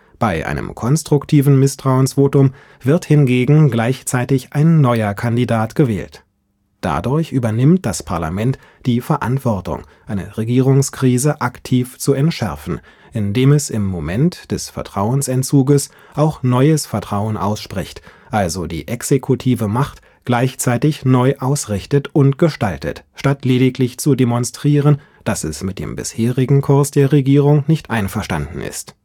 Bei einem konstruktiven Misstrauensvotum wird hingegen gleichzeitig ein neuer Kandidat gewählt. Dadurch übernimmt das Parlament die Verantwortung, eine Regierungskrise aktiv zu entschärfen, indem es im Moment des Vertrauensentzuges auch neues Vertrauen ausspricht, also die exekutive Macht gleichzeitig neu ausrichtet und gestaltet, statt lediglich zu demonstrieren, dass es mit dem bisherigen Kurs der Regierung nicht einverstanden ist